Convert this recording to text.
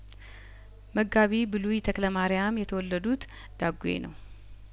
መጋቢ ብሉይ ተክለማሪያም የተወለዱት ዳጔ ነው